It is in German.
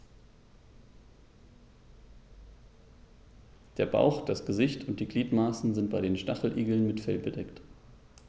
Der Bauch, das Gesicht und die Gliedmaßen sind bei den Stacheligeln mit Fell bedeckt.